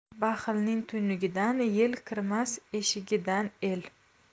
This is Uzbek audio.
baxilning tuynugidan yel kirmas eshigidan el